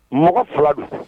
Mɔgɔ fila don